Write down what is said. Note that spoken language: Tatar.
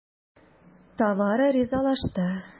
Тамара ризалашты.